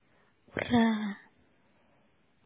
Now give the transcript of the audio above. Ура!